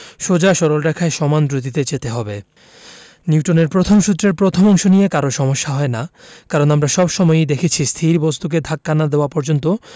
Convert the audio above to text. সোজা সরল রেখায় সমান দ্রুতিতে যেতে হবে নিউটনের প্রথম সূত্রের প্রথম অংশ নিয়ে কারো সমস্যা হয় না কারণ আমরা সব সময়ই দেখেছি স্থির বস্তুকে ধাক্কা না দেওয়া পর্যন্ত